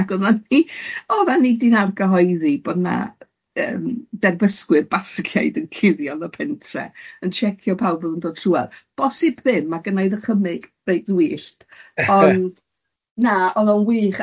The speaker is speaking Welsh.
ac oeddan ni oeddan ni di'n argyhoeddi bod yna yym derbysgwyr Basigiaid yn cuddio yn y pentre, yn tsiecio pawb oedd yn dod trwadd, bosib ddim, ma' gynna i ddychymyg reit ddwyllt, ond na oedd o'n wych,